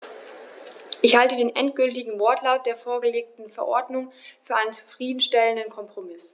Ich halte den endgültigen Wortlaut der vorgelegten Verordnung für einen zufrieden stellenden Kompromiss.